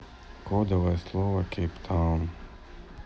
кодовое слово кейптаун